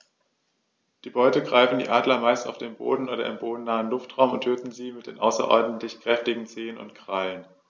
Die Beute greifen die Adler meist auf dem Boden oder im bodennahen Luftraum und töten sie mit den außerordentlich kräftigen Zehen und Krallen.